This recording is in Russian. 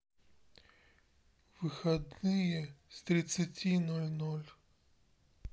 выходные с тринадцати ноль ноль